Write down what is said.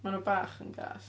Maen nhw bach yn gas.